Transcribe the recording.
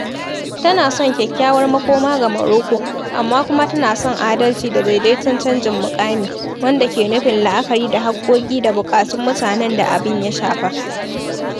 Tana son kyakkyawar makoma ga Morocco, amma kuma tana son adalci da daidaiton canjin muƙami, wanda ke nufin la’akari da haƙƙoƙi da buƙatun mutanen da abin ya shafe su.